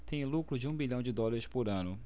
tem lucro de um bilhão de dólares por ano